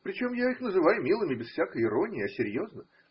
причем я их называю милыми без всякой иронии. а серьезно.